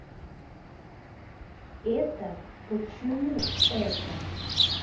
это почему это